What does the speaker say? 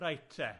Reit te.